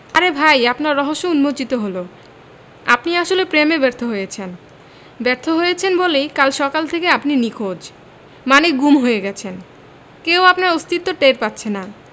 আরে ভাই আপনার রহস্য উম্মোচিত হলো আপনি আসলে প্রেমে ব্যর্থ হয়েছেন ব্যর্থ হয়েছেন বলেই কাল সকাল থেকে আপনি নিখোঁজ মানে গুম হয়ে গেছেন কেউ আপনার অস্তিত্ব টের পাচ্ছে না